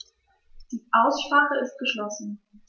Die Aussprache ist geschlossen.